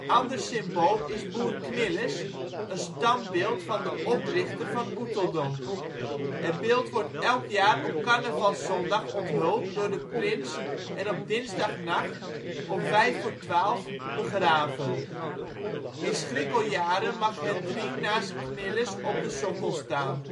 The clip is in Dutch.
ander symbool is Boer Knillis, een standbeeld van de oprichter van Oeteldonk. Het beeld wordt elk jaar op carnavalszondag onthuld door de Prins en op dinsdagnacht om 23.55 uur begraven. In schrikkeljaren mag Hendrien naast Knillis op de sokkel staan